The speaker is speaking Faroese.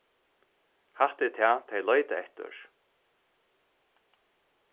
hatta er tað tey leita eftir